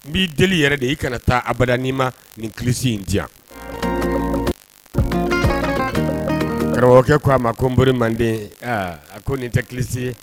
N b'i deli yɛrɛ de ye i kana taabadanin ma nin kilisisi in diya karamɔgɔkɛ ko' a ma ko nɔriri manden a ko nin tɛ kilisisi